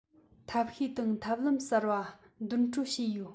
ཐབས ཤེས དང ཐབས ལམ གསར པ འདོན སྤྲོད བྱས ཡོད